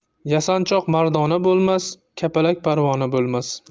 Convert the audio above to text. yasanchoq mardona bo'lmas kapalak parvona bo'lmas